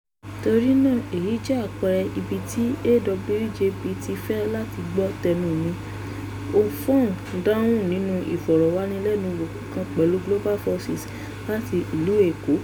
Torí náà èyí jẹ́ àpẹẹrẹ ibi tí AWJP ti fẹ́ láti gbọ́ tẹnu mi," Offiong dáhùn nínú ìfọ̀rọ̀wánilẹ́nuwò kan pẹ̀lú Global Voices láti ìlú Èkó.